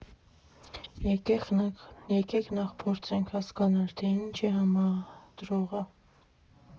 Եկեք նախ փորձենք հասկանալ, թե ինչ է համադրողը։